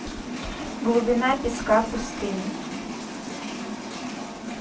глубина песка пустыни